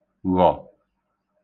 ghọ̀